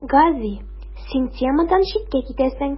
Гарри: Син темадан читкә китәсең.